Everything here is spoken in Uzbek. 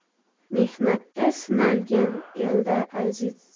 mehnatda sinalgan elda aziz